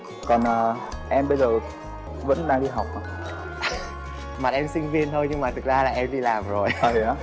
còn à em bây giờ vẫn đang đi học mà mặt em sinh viên nhưng mà thật ra là em đi làm rồi